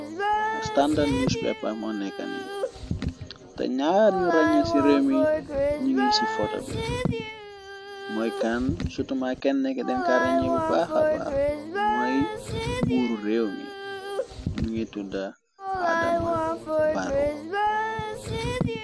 Standard newspaper moo neka ni, te ñaar ñu raññe ci réew mi ñi ngi ci fota bi , mooy kann sutuma kenn nek den ka rañe bu baaxabaax mooy buuru réew, mi mingi tudda adama barrow.